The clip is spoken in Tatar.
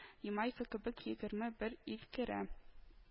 Ямайка кебек егерме бер ил керә